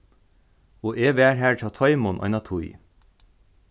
og eg var har hjá teimum eina tíð